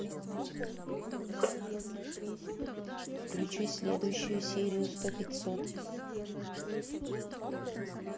включи следующую серию сто пятьсот